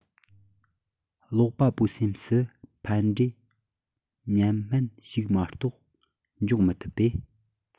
ཀློག པ པོའི སེམས སུ ཕན འབྲས ཉམས དམན ཞིག མ གཏོགས འཇོག མི ཐུབ པས